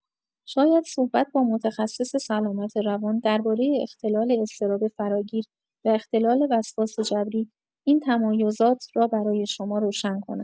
شاید صحبت با متخصص سلامت روان درباره اختلال اضطراب فراگیر و اختلال وسواس جبری این تمایزات را برای شما روشن کند.